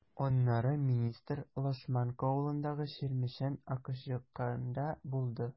Аннары министр Лашманка авылындагы “Чирмешән” АХҖКында булды.